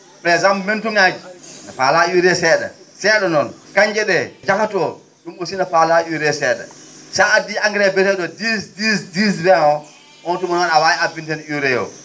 perexemple mentu?aaje no faalaa UREE see?a see?a noon kannje ?e jahatu o ?um aussi ne faalaa UREE see?a so a addii engrais biyete?o 10 10 10 20 o on tuman a?a wawi abbinde heen UREE o